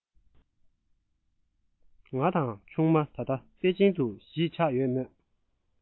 ང དང ཆུང མ ད ལྟ པེ ཅིན དུ གཞིས ཆགས ཡོད མོད